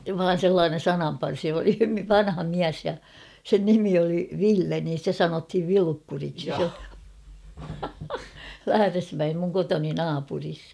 vain sellainen sananparsi oli vanha mies ja sen nimi oli Ville niin sitä sanottiin Vilukkuriksi Lähdesmäen minun kotini naapurissa